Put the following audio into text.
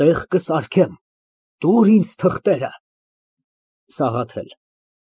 ՄԱՐԳԱՐԻՏ ֊ Ինչպես երևում է, շատ մեծ կարծիք ունիս քո մասնագիտության մասին։ ԲԱԳՐԱՏ ֊ Եռանդի, խելքի և ժամանակիս իսկական ներկայացուցիչներն ինժեներներն են։